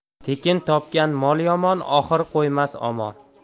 tekin topgan mol yomon oxiri qo'ymas omon